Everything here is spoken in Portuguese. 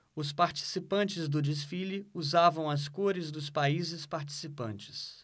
os participantes do desfile usavam as cores dos países participantes